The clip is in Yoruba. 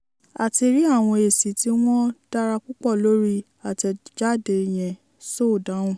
A ti rí àwọn èsì tí wọ́n dára púpọ̀ lórí àtẹ̀jáde yẹn," Sow dáhùn.